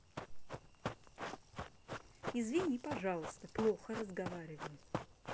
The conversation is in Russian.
извини пожалуйста плохо разговариваю